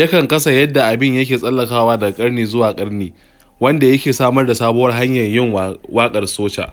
yakan ƙasa yadda abin yake tsallakawa daga ƙarni zuwa ƙarni wanda yake samar da sabuwar hanyar yin waƙar soca.